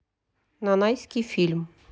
нанайский фильм